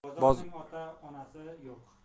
bozorning ota onasi yo'q